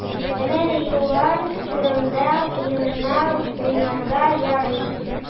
Ә менә юллар турында уеннар уйнарга ярый.